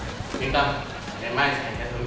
yên tâm ngày mai